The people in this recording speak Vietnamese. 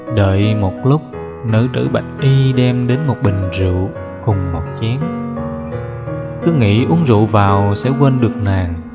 đợi một lúc nữ tử bạch y đem đến một bình rượu cùng một chén cứ nghĩ uống rượu vào sẽ quên được nàng